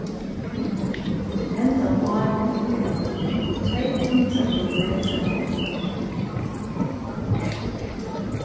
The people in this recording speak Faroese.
hendan áin er tvey hundrað kilometrar long